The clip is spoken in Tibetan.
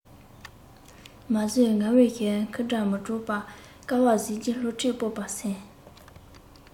མ བཟོད ངལ བའི འཁུན སྒྲ མི སྒྲོག པ དཀའ བ གཟི བརྗིད སློབ ཁྲིད སྤོབས པར སེམས